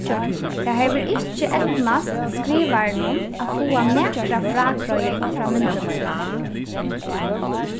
tað hevur ikki eydnast skrivaranum at fáa nakra frágreiðing frá myndugleikanum